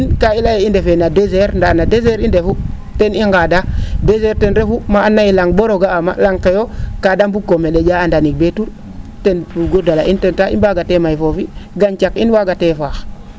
in kaa i lay ee i ndefe no desert ndaa no desert i ndefu ten i ngaada desert ten refu maa andoona yee la? ?or o ga'aa ma la? ke yoo kaa de mbug ko mele?aa a ndanig bee tur ten bugu dala in ten taxu i mbaaga te may foofi gancax in waaga te faax